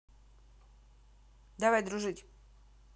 давай дружить